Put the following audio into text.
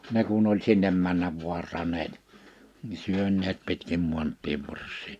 ne kun oli sinne mennä vaartaneet niin syöneet pitkin maantien varsia